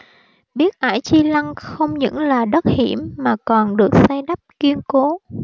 biết ải chi lăng không những là đất hiểm mà còn được xây đắp kiên cố